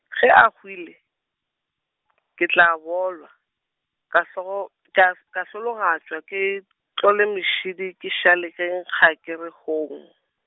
ge a hwile , ke tla boolwa, ka hlogo, kahl-, ka hlologatšwa ke, tlole mešidi ke šale ke, nkga ke re hong.